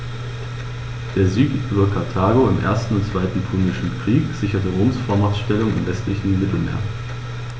Der Sieg über Karthago im 1. und 2. Punischen Krieg sicherte Roms Vormachtstellung im westlichen Mittelmeer.